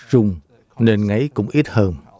dùng nền ngáy cũng ít hơn